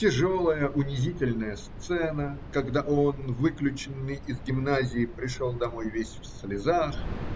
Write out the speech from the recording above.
тяжелая, унизительная сцена, когда он, выключенный из гимназии, пришел домой весь в слезах.